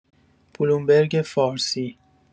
بلومبرگ فارسی